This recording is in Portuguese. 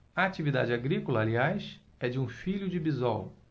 a atividade agrícola aliás é de um filho de bisol